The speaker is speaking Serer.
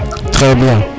trés bien